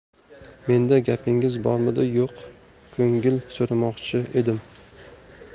menda gapingiz bormidi yo'q ko'ngil so'ramoqchi edim